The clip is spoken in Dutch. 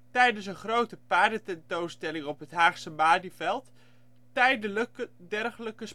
tijdens een grote paardententoonstelling op het Haagse Malieveld tijdelijke dergelijke